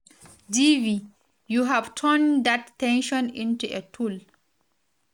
GV: You've turned that tension into a tool.